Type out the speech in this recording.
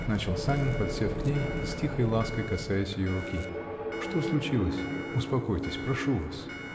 -- начал Санин, подсев к ней и с тихой лаской касаясь ее руки. -- Что случилось? Успокойтесь, прошу вас.